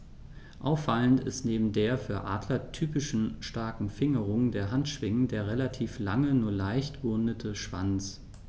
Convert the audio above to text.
Auffallend ist neben der für Adler typischen starken Fingerung der Handschwingen der relativ lange, nur leicht gerundete Schwanz.